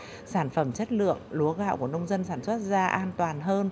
sản phẩm chất lượng lúa gạo của nông dân sản xuất ra an toàn hơn